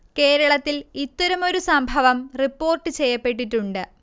കേരളത്തിൽ ഇത്തരമൊരു സംഭവം റിപ്പോർട്ട് ചെയ്യപ്പെട്ടിട്ടുണ്ട്